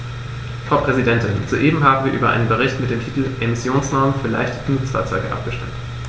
Frau Präsidentin, soeben haben wir über einen Bericht mit dem Titel "Emissionsnormen für leichte Nutzfahrzeuge" abgestimmt.